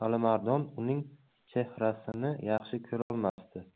alimardon uning chehrasini yaxshi ko'rolmasdi